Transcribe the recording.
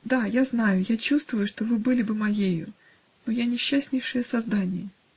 Да, я знаю, я чувствую, что вы были бы моею, но -- я несчастнейшее создание.